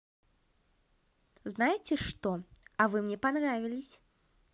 знаете что а вы мне понравились